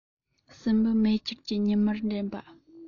སྲིན བུ མེ ཁྱེར གྱིས ཉི མར འགྲན པ དང